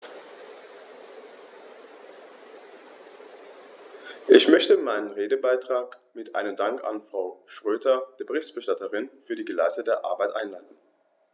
Ich möchte meinen Redebeitrag mit einem Dank an Frau Schroedter, der Berichterstatterin, für die geleistete Arbeit einleiten.